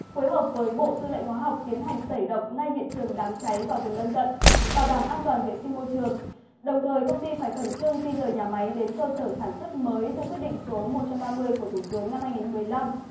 phối hợp với bộ tư lệnh hóa học tiến hành tẩy độc ngay hiện trường đám cháy và vùng lân cận bảo đảm an toàn vệ sinh môi trường đồng thời công ty phải khẩn trương di dời nhà máy đến cơ sở sản xuất mới theo quyết định số một trăm ba mươi của thủ tướng năm hai nghìn mười lăm